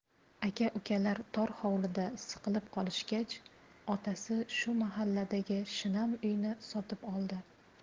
aka ukalar tor hovlida siqilib qolishgach otasi shu mahalladagi shinam uyni sotib oldi